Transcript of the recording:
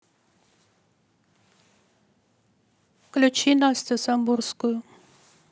включи настю самбурскую